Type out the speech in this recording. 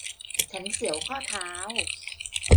ฉันเสียวข้อเท้า